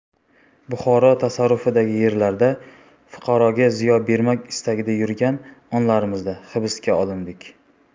buxoro tasarrufidagi yerlarda fuqaroga ziyo bermak istagida yurgan onlarimizda hibsga olindik